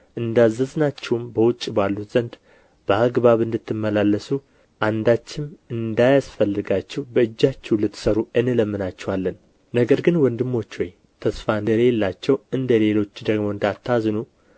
እንዳዘዝናችሁም በውጭ ባሉት ዘንድ በአገባብ እንድትመላለሱ አንዳችም እንዳያስፈልጋችሁ በእጃችሁ ልትሠሩ እንለምናችኋለን ነገር ግን ወንድሞች ሆይ ተስፋ እንደሌላቸው እንደ ሌሎች ደግሞ እንዳታዝኑ